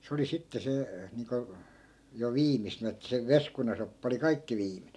se oli sitten se niin kuin jo viimeisen että se veskunasoppa oli kaikki viimeinen